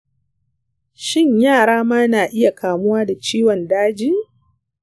shin yara ma na iya kamuwa da ciwon daji?